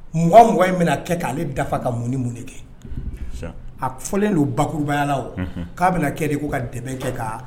Mɔgɔ mɔgɔ in bɛna kɛ' ale dafa ka mun ni mun de kɛ a fɔlen don babala k'a bɛna kɛ de ko ka dɛmɛ kɛ'